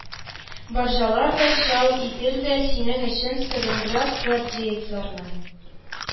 Баржалар да, чал идел дә синең өчен, сталинград, гвардеецларның